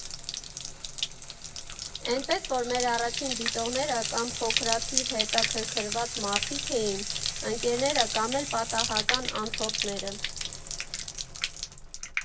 Էնպես որ մեր առաջին դիտողները կամ փոքրաթիվ հետաքրքրված մարդիկ էին, ընկերները կամ էլ պատահական անցորդները։